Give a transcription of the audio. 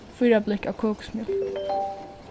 fýra blikk av kokusmjólk